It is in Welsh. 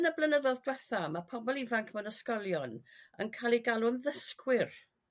yn y blynyddo'dd d'wetha' ma' pobl ifanc mewn ysgolion yn cael eu galw ddysgwyr.